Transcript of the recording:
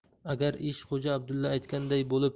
agar ish xo'ja abdulla aytganday bo'lib